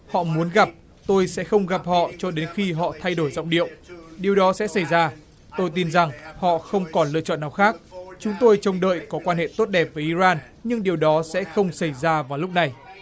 họ muốn gặp tôi sẽ không gặp họ cho đến khi họ thay đổi giọng điệu điều đó sẽ xảy ra tôi tin rằng họ không còn lựa chọn nào khác chúng tôi trông đợi có quan hệ tốt đẹp với i ran nhưng điều đó sẽ không xảy ra vào lúc này